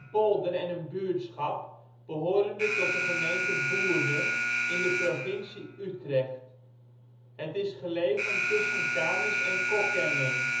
polder en een buurtschap behorende tot de gemeente Woerden, in de provincie Utrecht. Het is gelegen tussen Kanis en Kockengen